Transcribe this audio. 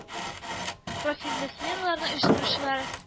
Профильле сменаны оештыручылары